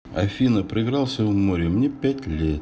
афина проигрался в море мне пять лет